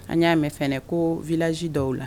An y'a mɛn fana ko viz dɔw la